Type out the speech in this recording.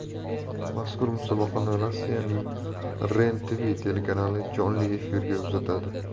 mazkur musobaqani rossiyaning ren tv telekanali jonli efirga uzatadi